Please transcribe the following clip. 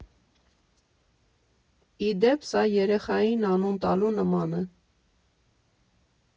Ի դեպ, սա երեխային անուն տալու նման է.